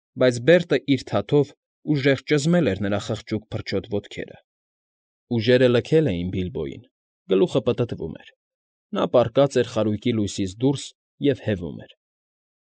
Բայց Բերտը իր թաթով ուժեղ ճզմել էր նրա խղճուկ փրչոտ ոտքերը, ուժերը լքել էին Բիլբոյին, գլուխը պտտվում էր, նա պառկած էր խարույկի լույսից դուրս և հևում էր։